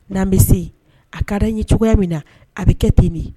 N'an bɛ se a ka da ɲɛ cogoya min na a bɛ kɛ ten nin